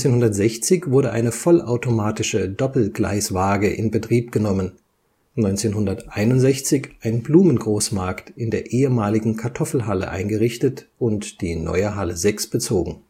1960 wurde eine vollautomatische Doppelgleiswaage in Betrieb genommen, 1961 ein Blumengroßmarkt in der ehemaligen Kartoffelhalle (jetzt Ladenreihe) eingerichtet und die neue Halle 6 bezogen